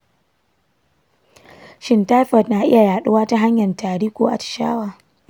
shin taifoid na iya yaduwa ta hanyar tari ko atishawa?